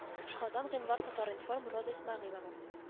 Казан гыйнвар татар-информ роза исмәгыйлова